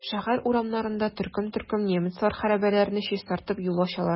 Шәһәр урамнарында төркем-төркем немецлар хәрабәләрне чистартып, юл ачалар.